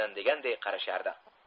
deganday qarashardi